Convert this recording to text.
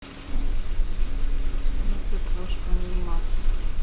ну ты крошка и мат